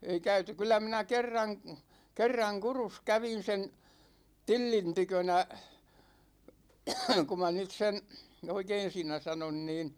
ei käyty kyllä minä kerran kerran Kurussa kävin sen Tillin tykönä kun minä nyt sen oikein siinä sanon niin